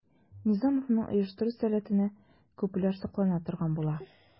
Низамовның оештыру сәләтенә күпләр соклана торган була.